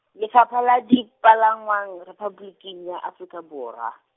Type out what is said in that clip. Lefapha la Dipalangwang, Rephaboliki ya Afrika Borwa.